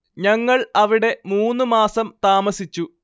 ഞങ്ങൾ അവിടെ മൂന്ന് മാസം താമസിച്ചു